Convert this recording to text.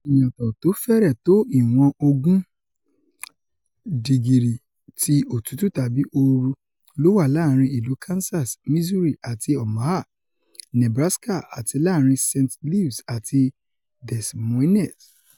Ìyàtọ̀ tó fẹ́rẹ̀ tó ìwọ̀n ogún dìgírì ti otútù tàbí ooru lówà láàrin Ìlú Kansas, Missouri, àti Omaha, Nebraska, àti láàrín St. Louis àti Des Moines.